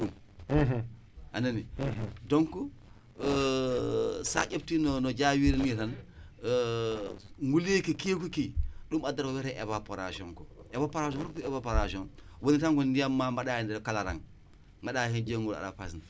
donc